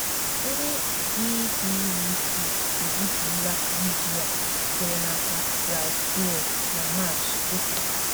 Ndị IFRC ezipụla vidiyo a sitere n'aka Ras Jdir na Maachị 1.